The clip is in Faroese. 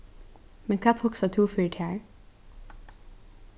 men hvat hugsar tú fyri tær